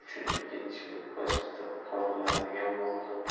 uchun ikkinchi gospital quriladigan bo'ldi